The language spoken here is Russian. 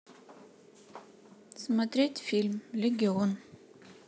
смотреть фильм легион